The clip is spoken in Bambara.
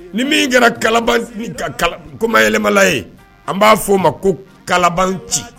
Ni min kɛra kala koma yɛlɛmaɛlɛmala ye an b'a f' oo ma ko kalaban ci